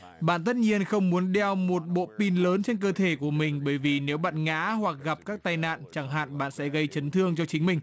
bạn tất nhiên không muốn đeo một bộ pin lớn trên cơ thể của mình bởi vì nếu bạn ngã hoặc gặp các tai nạn chẳng hạn bạn sẽ gây chấn thương cho chính mình